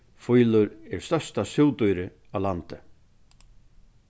fílur er størsta súgdýrið á landi